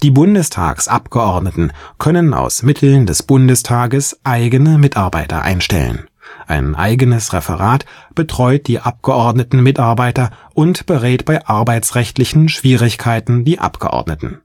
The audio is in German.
Bundestagsabgeordneten können aus Mitteln des Bundestages eigene Mitarbeiter einstellen. Ein eigenes Referat betreut die Abgeordnetenmitarbeiter und berät bei arbeitsrechtlichen Schwierigkeiten die Abgeordneten